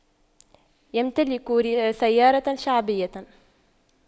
يمتلك سيارة شعبية